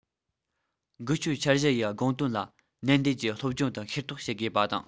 འགུལ སྐྱོད འཆར གཞི ཡི དགོངས དོན ལ ནན ཏན གྱིས སློབ སྦྱོང དང ཤེས རྟོགས བྱེད དགོས པ དང